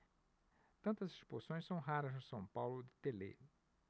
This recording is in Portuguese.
tantas expulsões são raras no são paulo de telê